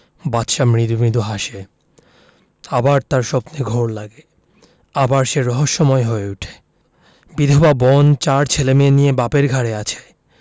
নানা ও এই কথা এই যে তুমি রোদে বসে পড়ছ তোমার ভালো লাগছে শরিফা হ্যাঁ লাগছে নানা